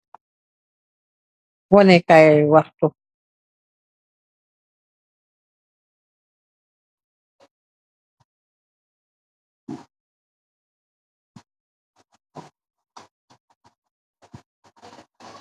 Xole kaay waxtu